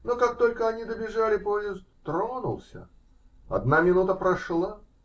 Но как только они добежали, поезд тронулся: одна минута прошла.